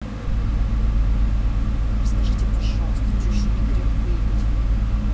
расскажите пожалуйста теща не грех выебать